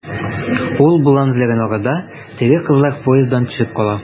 Ул болан эзләгән арада, теге кызлар поезддан төшеп кала.